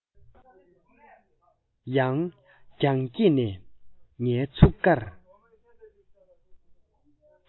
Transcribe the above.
ཡང རྒྱང བཀྱེད ནས ངའི ཚུགས ཀར